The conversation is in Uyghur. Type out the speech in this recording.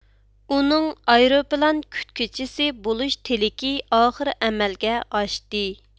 ئۇنىڭ ئايروپىلان كۈتكۈچىسى بولۇش تىلىكى ئاخىر ئەمەلگە ئاشتى